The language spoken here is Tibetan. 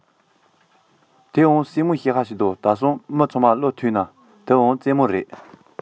དེའང གསལ པོ བཤད ན ད ལྟ ཚང མས མོས མཐུན བྱས པའི བློ ཐུན ཅང ཙེ མིང རེད